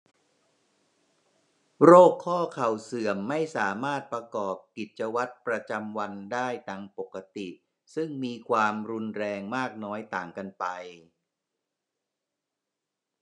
โรคข้อเข่าเสื่อมไม่สามารถประกอบกิจวัตรประจำวันได้ดังปกติซึ่งมีความรุนแรงมากน้อยต่างกันไป